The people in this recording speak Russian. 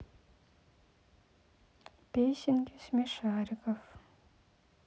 песенки смешариков